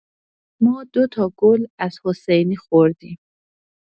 ما دوتا گل از حسینی خوردیم